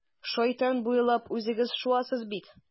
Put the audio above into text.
Шайтан буйлап үзегез шуасыз бит.